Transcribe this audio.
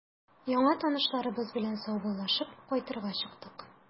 Яңа танышларыбыз белән саубуллашып, кайтырга чыктык.